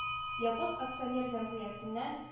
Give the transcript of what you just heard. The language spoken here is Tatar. Ябык Акционер Җәмгыятеннән